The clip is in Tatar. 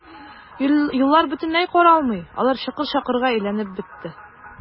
Юллар бөтенләй каралмый, алар чокыр-чакырга әйләнеп бетте.